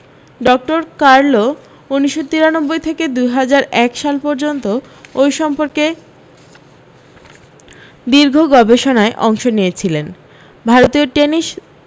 doctor Carlo উনিশশ তিরানব্বই থেকে দু হাজার এক সাল পর্যন্ত ওই সম্পর্কে দীর্ঘ গবেষণায় অংশ নিয়েছিলেন ভারতীয় টেনিস